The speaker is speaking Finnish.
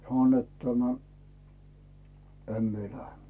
sanoi että tämä en minä lähde